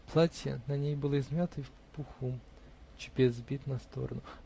платье на ней было измято и в пуху, чепец сбит на сторону